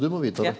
du må vita det.